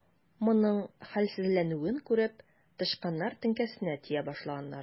Моның хәлсезләнүен күреп, тычканнар теңкәсенә тия башлаганнар.